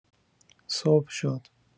صبح شد.